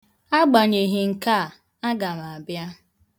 Agbanyeghị nkea, a ga m abịa.